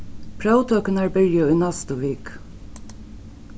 próvtøkurnar byrja í næstu viku